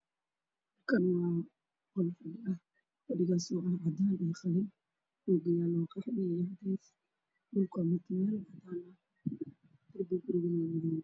Kani waa qol fadhi ah kalarkiisu waa cadaan iyo qalin, rooga yaalo waa qaxwi iyo cadeys, dhulka waa mutuleel cadaan ah, darbiga guriga waa madow.